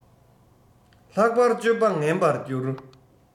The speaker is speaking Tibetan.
ལྷག པར སྤྱོད པ ངན པར འགྱུར